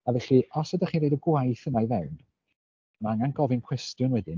A felly os ydach chi'n rhoid y gwaith yma i fewn, ma' angen gofyn cwestiwn wedyn.